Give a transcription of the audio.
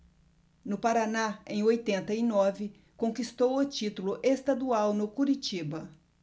no paraná em oitenta e nove conquistou o título estadual no curitiba